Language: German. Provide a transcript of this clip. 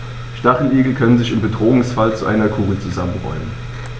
Stacheligel können sich im Bedrohungsfall zu einer Kugel zusammenrollen.